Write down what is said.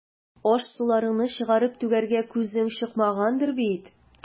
Аш-суларыңны чыгарып түгәргә күзең чыкмагандыр бит.